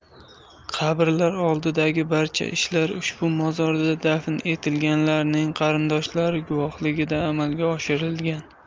qabrlar oldidagi barcha ishlar ushbu mozorda dafn etilganlarning qarindoshlari guvohligida amalga oshirilgan